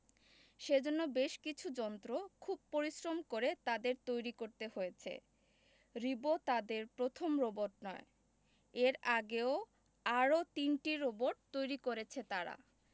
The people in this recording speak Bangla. সেজন্য বেশ কিছু যন্ত্র খুব পরিশ্রম করে তাদের তৈরি করতে হয়েছে রিবো তাদের প্রথম রোবট নয় এর আগেও আরও তিনটি রোবট তৈরি করেছে তারা